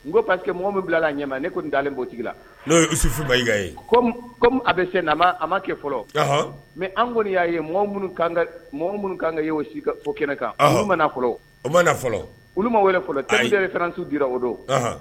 N ko pa que mɔgɔ min bila'a ɲɛ ne kɔni nin dalenlen bɔ tigi la n'osu kɔmi a bɛ se na a ma kɛ fɔlɔ mɛ an kɔni y'a ye mɔgɔ minnu minnu kan ka o si so kɛnɛ kan fɔlɔ fɔlɔ olu ma wɛrɛ fɔlɔ tanransiw dira o don